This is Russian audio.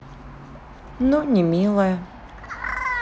ну не милая